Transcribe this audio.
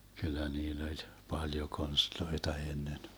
kyllä niillä oli paljon konsteja ennen